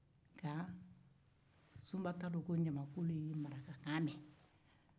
nka sunba t'a dɔn ko ɲamankolon bɛ marakakan mɛn